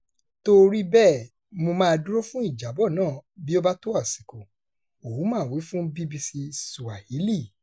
Toríi bẹ́ẹ̀, mo máa dúró fún ìjábọ̀ náà bí ó bá tó àsìkò, Ouma wí fún BBC Swahili.